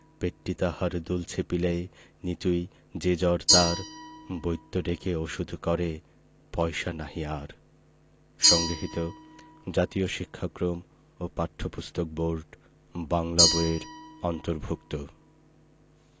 পেটটি তাহার দুলছে পিলেয় নিতুই যে জ্বর তার বৈদ্য ডেকে ওষুধ করে পয়সা নাহি আর সংগৃহীত জাতীয় শিক্ষাক্রম ও পাঠ্যপুস্তক বোর্ড বাংলা বই এর অন্তর্ভুক্ত